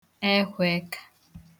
ekwèeka